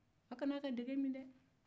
a kana a ka dɛgɛ min dɛɛ